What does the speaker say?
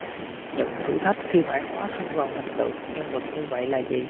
những thử thách khi phải hóa thân vào hình tượng nhân vật như vậy là gì